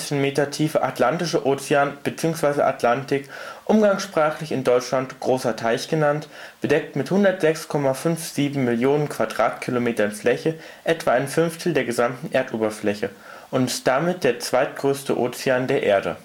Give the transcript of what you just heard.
9.219 m tiefe Atlantische Ozean bzw. Atlantik (umgangssprachlich in Deutschland Großer Teich genannt) bedeckt mit 106,57 Mio. km² Fläche etwa ein Fünftel der gesamten Erdoberfläche und ist damit der zweitgrößte Ozean der Erde